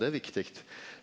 det er viktig.